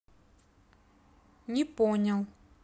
не понял